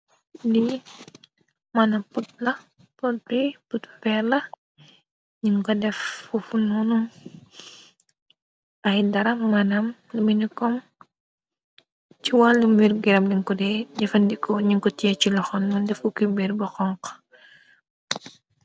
Di mëna pot la porbi put peerla ni ngo def fufu noonu ay daram manam luminikoom ci wàllu mbir giram dinkotee jefandikoo ningo tee ci loxon mëndefuki ber ba xonxo.